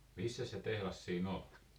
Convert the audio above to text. missäs se tehdas siinä oli